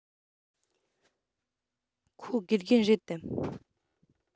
ཁོ དགེ རྒན རེད དམ